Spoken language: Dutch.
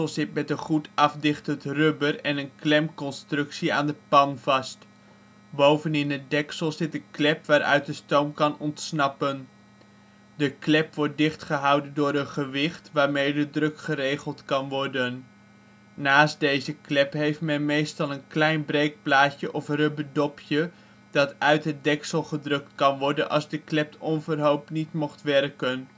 zit met een goed afdichtend rubber en een klemconstructie (bajonetsluiting) aan de pan vast. Bovenin het deksel zit een klep waaruit de stoom kan ontsnappen. De klep wordt dichtgehouden door een gewicht, waarmee de druk geregeld kan worden. Naast deze klep heeft men meestal nog een klein breekplaatje of rubber dopje dat uit het deksel gedrukt kan worden als de klep onverhoopt niet mocht werken